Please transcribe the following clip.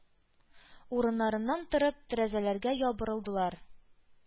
Урыннарыннан торып, тәрәзәләргә ябырылдылар.